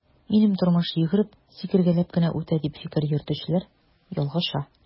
Минем тормыш йөгереп, сикергәләп кенә үтә, дип фикер йөртүчеләр ялгыша.